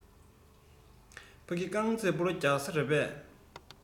ཕ གི རྐང རྩེད སྤོ ལོ རྒྱག ས རེད པས